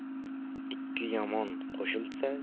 ikki yomon qo'shilsa